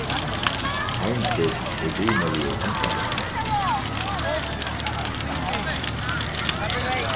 arndis er dugnaligur handarøktari